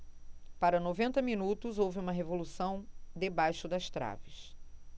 para noventa minutos houve uma revolução debaixo das traves